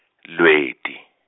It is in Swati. Lweti.